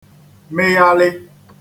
mịyalị